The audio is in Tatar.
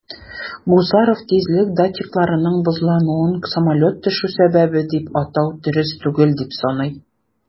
Гусаров тизлек датчикларының бозлануын самолет төшү сәбәбе дип атау дөрес түгел дип саный.